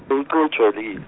olujwayelekile.